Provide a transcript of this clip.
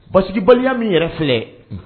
Basibaliya min yɛrɛ filɛ